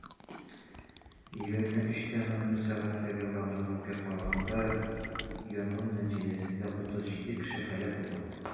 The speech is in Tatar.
23:00 сәгатьтәге мәгълүматка караганда, янгын нәтиҗәсендә 37 кеше һәлак булган.